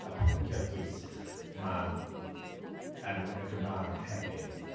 y pynciau dwys 'ma, yn y Gymraeg hefyd.